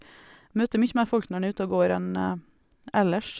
Møter mye mer folk når en er ute og går enn ellers.